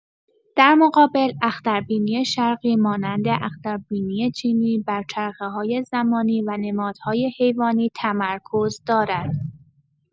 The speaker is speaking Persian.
در مقابل، اختربینی شرقی مانند اختربینی چینی، بر چرخه‌های زمانی و نمادهای حیوانی تمرکز دارد.